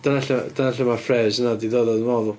Dyna lle dyna lle ma'r phrase yna 'di dod o dwi meddwl do?